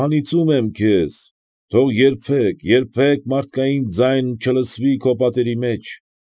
Անիծում եմ քեզ, թող երբեք, երբեք մարդկային ձայն չլսվի քո պատերի մեջ։